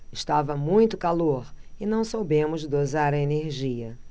estava muito calor e não soubemos dosar a energia